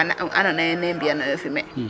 a jega wa andoona ye nee mbi'anooyo fumier?